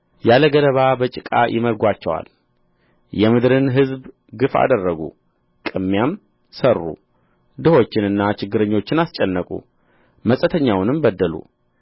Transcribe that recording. ያለ ገለባ በጭቃ ይመርጓቸዋል የምድርን ሕዝብ ግፍ አደረጉ ቅሚያም ሠሩ ድሆችንና ችግረኞችን አስጨነቁ መጻተኛውንም በደሉ